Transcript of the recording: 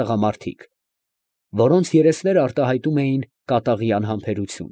Տղամարդիկ, որոնց երեսները արտահայտում էին կատաղի անհամբերություն։